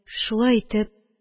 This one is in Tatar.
Шулай итеп